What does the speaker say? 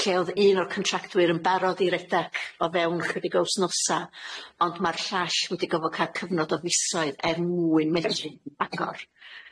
Lle o'dd un o'r contractwyr yn barod i redeg o fewn chydig o wthnosa ond ma'r llall wedi gofo ca'l cyfnod o fisoedd er mwyn medru agor.